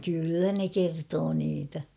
kyllä ne kertoo niitä